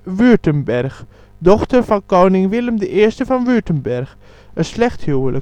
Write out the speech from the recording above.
Württemberg, dochter van koning Willem I van Württemberg; een slecht huwelijk. In